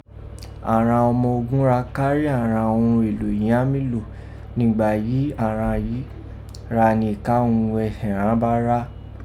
Àghan ọma ogun ra ka rí àghan urun èlò yìí án mí lò nùgbà yìí àghan yìí gha ni iká òghun ẹhẹ̀ ghan bá rá.